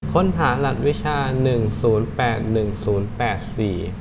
ค้นหารหัสวิชาหนึ่งศูนย์แปดหนึ่งศูนย์แปดสี่